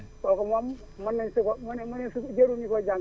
kooku moom mën nañ mën a mënee su koo jarul ñu koy jàngal